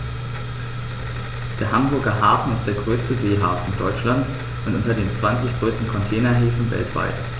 Der Hamburger Hafen ist der größte Seehafen Deutschlands und unter den zwanzig größten Containerhäfen weltweit.